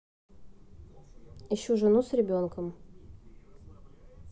ищу жену с ребенком